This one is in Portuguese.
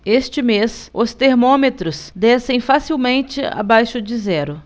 este mês os termômetros descem facilmente abaixo de zero